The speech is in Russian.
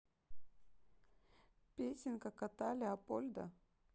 песенка кота леопольда